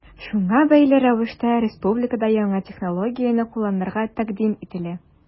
Шуңа бәйле рәвештә республикада яңа технологияне кулланырга тәкъдим ителә.